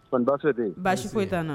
Ko basi ten baasi foyi' na